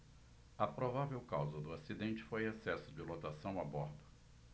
a provável causa do acidente foi excesso de lotação a bordo